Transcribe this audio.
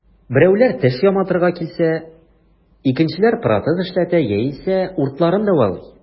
Берәүләр теш яматырга килсә, икенчеләр протез эшләтә яисә уртларын дәвалый.